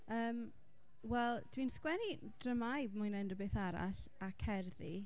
yym wel dwi'n sgwennu dramâu mwy nag unrhyw beth arall a cerddi.